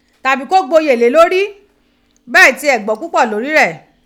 Tàbí ko gboyè lé lórí, be tiẹ̀ gboó púpọ̀ lórí rẹ.